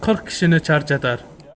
qirq kishini charchatar